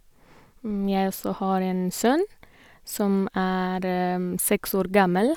Jeg også har en sønn som er seks år gammel.